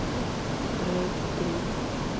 рейд три